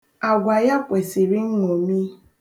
Agwa ya kwesịrị nṅomi.